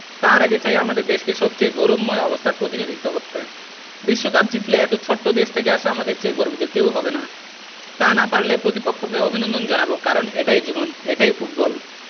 তার আগে চাই আমাদের দেশকে সবচেয়ে গৌরবময় অবস্থায় প্রতিনিধিত্ব করতে বিশ্বকাপ জিতলে এত ছোট্ট দেশ থেকে আসা আমাদের চেয়ে গর্বিত কেউ হবে না তা না পারলে প্রতিপক্ষকে অভিনন্দন জানাব কারণ এটাই জীবন এটাই ফুটবল